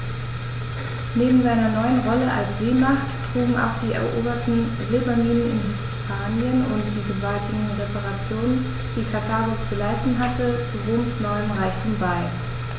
Neben seiner neuen Rolle als Seemacht trugen auch die eroberten Silberminen in Hispanien und die gewaltigen Reparationen, die Karthago zu leisten hatte, zu Roms neuem Reichtum bei.